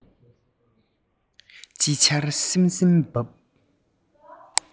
དཔྱིད ཆར གསིམ གསིམ བབས